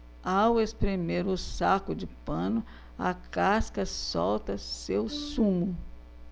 ao espremer o saco de pano a casca solta seu sumo